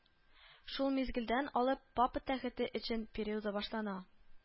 Шул мизгелдән алып папа тәхете өчен периоды башлана